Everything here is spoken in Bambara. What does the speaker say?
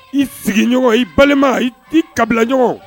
I sigiɲɔgɔn, i balima, i kabilaɲɔgɔn